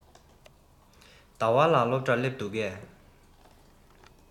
ཟླ བ ལགས སློབ གྲྭར སླེབས འདུག གས